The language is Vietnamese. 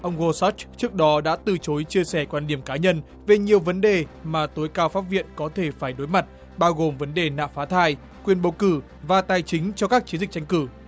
ông gô sất trước đó đã từ chối chia sẻ quan điểm cá nhân về nhiều vấn đề mà tối cao pháp viện có thể phải đối mặt bao gồm vấn đề nạo phá thai quyền bầu cử và tài chính cho các chiến dịch tranh cử